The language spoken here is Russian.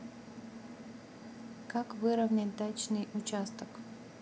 как выровнять дачный участок